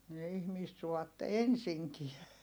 ne ihmistä suvaitse ensinkään